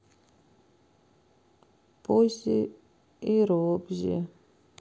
поззи и робзи